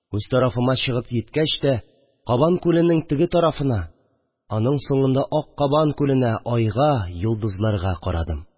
Үз тарафыма чыгып җиткәч тә, кабан күленең теге тарафына, аның соңында ак кабан күленә, айга, йолдызларга карадым